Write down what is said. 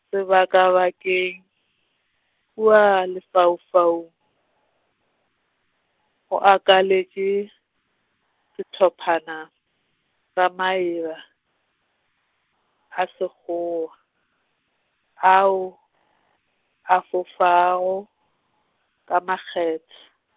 sebakabakeng, kua lefaufaung, go akaletše, sehlophana, sa maeba, a Sekgowa, ao, a fofago, ka makgethe.